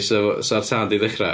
So 'sa'r tân 'di dechrau.